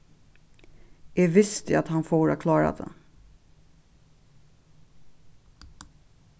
eg visti at hann fór klára tað